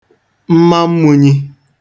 mma mmūnyī